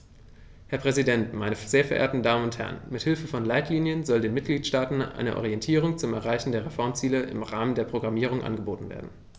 Herr Präsident, meine sehr verehrten Damen und Herren, mit Hilfe von Leitlinien soll den Mitgliedstaaten eine Orientierung zum Erreichen der Reformziele im Rahmen der Programmierung angeboten werden.